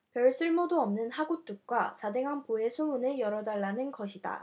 별 쓸모도 없는 하굿둑과 사 대강 보의 수문을 열어달라는 것이다